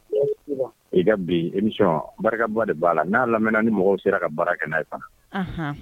I bi i barikaba de b'a la n'a lam ni mɔgɔw sera ka baara kɛ' ye